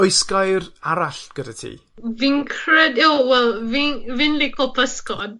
oes gair arall gyda ti? Fi'n cred- o wel fi'n fi'n lico pysgod.